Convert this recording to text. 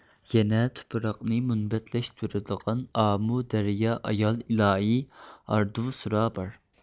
يەنە تۇپراقنى مۇنبەتلەشتۈرىدىغان ئامۇ دەريا ئايال ئىلاھى ئاردىۋسۇرا بار